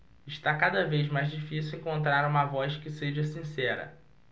está cada vez mais difícil encontrar uma voz que seja sincera